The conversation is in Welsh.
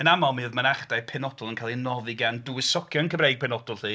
Yn aml mi oedd mynachdai penodol yn cael eu noddi gan dywysogion Cymreig penodol 'lly